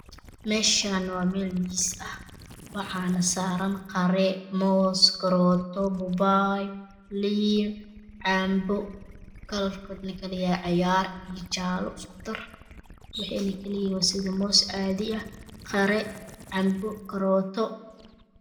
Meeshan waa meel miis ah waxana saaran qare, moos, karooto babay, liin, cambo kalarkoodana Kala yahay cagaar iyo jaalo isku dar waxayna Kala yihiin sida moos caadiya qare cambo karooto